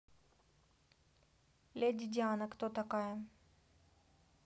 леди диана кто такая